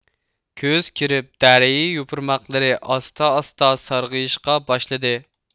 كۈز كىرىپ دەرەى يوپۇرماقلىرى ئاستا ئاستا سارغىيىشقا باشلىدى